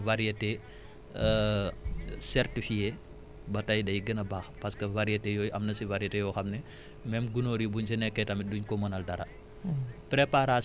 bu ñu mënee am des variétés certifiées ba tey day gën a baax parce que variété yooyu am na si variété yoo xam ne même gunóor yi buñ ca nekkee tamit duñ ko mënal dara